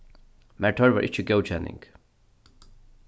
mær tørvar ikki góðkenning